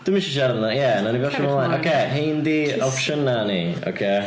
Dwi'm isio siarad amdan... ie wnewn ni basio fo ymlaen... Jyst cariwch ymlaen... Ocê rhein 'di opsiynau ni ocê.